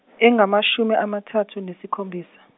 engamashumi amathathu nesikhombisa.